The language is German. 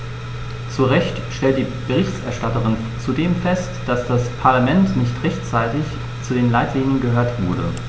Zu Recht stellt die Berichterstatterin zudem fest, dass das Parlament nicht rechtzeitig zu den Leitlinien gehört wurde.